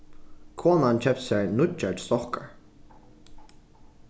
konan keypti sær nýggjar stokkar